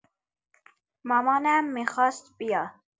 مامانمم می‌خواست بیاد.